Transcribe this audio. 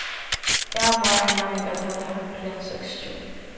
av og á er næmingatalið hægri enn seksogtjúgu